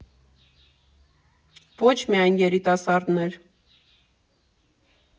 Ոչ միայն երիտասարդներ։